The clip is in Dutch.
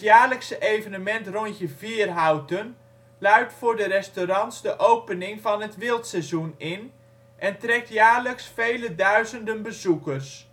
jaarlijkse evenement " Rondje Vierhouten " luidt voor de restaurants de opening van het wildseizoen in, en trekt jaarlijks vele duizenden bezoekers.